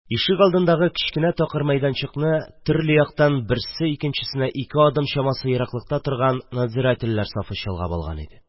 Ишегалдындагы кечкенә такыр мәйданчыкны төрле яктан бер-берсеннән икешәр адым чамасы ераклыкта торган надзирательләр сафы чолгап алган иде.